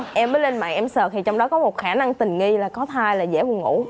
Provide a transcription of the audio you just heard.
em mới lên mạng em sợt thì trong đó có một khả năng tình nghi là có thai là dễ buồn ngủ